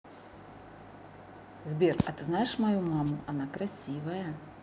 сбер а ты знаешь мою маму она красивая